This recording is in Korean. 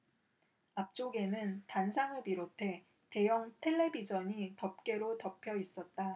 앞쪽에는 단상을 비롯해 대형 텔레비전이 덮개로 덮여있었다